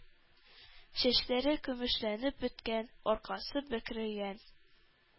Чәчләре көмешләнеп беткән, аркасы бөкрәйгән,